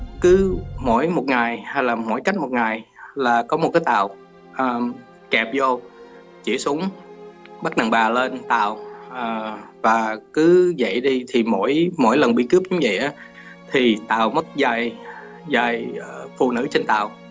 cứ mỗi một ngày hay là mỗi cách một ngày là có một cái tàu hà kẹp dô chĩa súng bắt đàn bà lên tàu à và cứ dậy đi thì mỗi mỗi lần bị cướp cũng dậy á thì tàu mất dài dài phụ nữ trên tàu